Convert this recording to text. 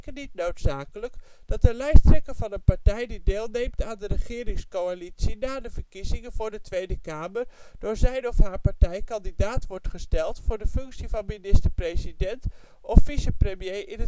niet noodzakelijk, dat de lijsttrekker van een partij die deelneemt aan de regeringscoalitie na de verkiezingen voor de Tweede Kamer door zijn of haar partij kandidaat wordt gesteld voor de functie van minister-president of vice-premier